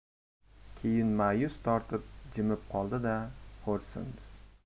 keyin mayus tortib jimib qoldida xo'rsindi